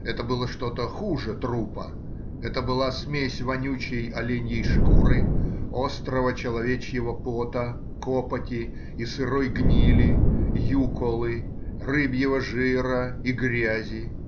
это было что-то хуже трупа — это была смесь вонючей оленьей шкуры, острого человечьего пота, копоти и сырой гнили, юколы, рыбьего жира и грязи.